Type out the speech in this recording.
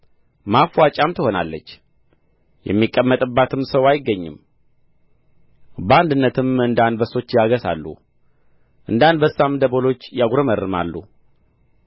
ማፍዋጫም ትሆናለች የሚቀመጥባትም ሰው አይገኝም በአንድነትም እንደ አንበሶች ያገሣሉ እንደ አንበሳም ደቦሎች ያጕረመርማሉ